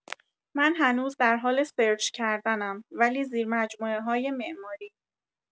من هنوز در حال سرچ کردنم ولی زیر مجموعه‌های معماری